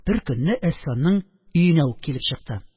Беркөнне әсфанның өенә үк килеп чыкты.